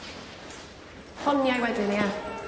Ffoniau wedyn ia?